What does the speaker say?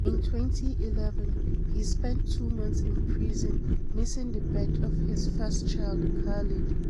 In 2011, he spent two months in prison, missing the birth of his first child, Khaled.